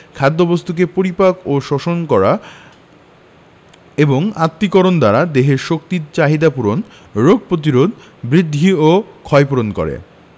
খাদ্যবস্তুকে পরিপাক ও শোষণ করা এবং আত্তীকরণ দ্বারা দেহের শক্তির চাহিদা পূরণ রোগ প্রতিরোধ বৃদ্ধি ও ক্ষয়পূরণ করা